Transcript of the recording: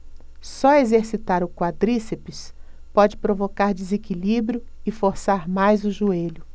só exercitar o quadríceps pode provocar desequilíbrio e forçar mais o joelho